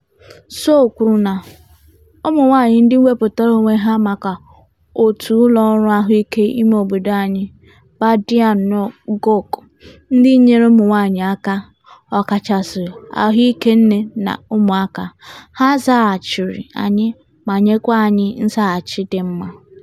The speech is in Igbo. Sow kwuru na, "Ụmụnwaanyị ndị wepụtara onwe ha maka òtù ụlọọrụ ahụike imeobodo anyị ["Badianou Guokh"] ndị nyere ụmụnwaanyị aka, ọkachasị ahụike nne na ụmụaka...ha zaghachiri anyị ma nyekwa anyị nzaghachi dị mma.